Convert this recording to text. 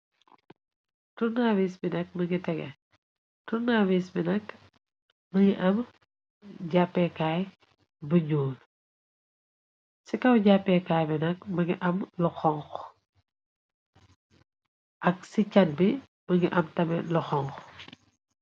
Turnawis bi nag më ngi tege turnavis bi nak nëngi am jàppeekaay bu njuul ci kaw jàppeekaay bi nag mëngi am loxong ak ci can bi bë ngi am tame loxong.